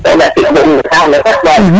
roga cita xuuɗ saax le fop waay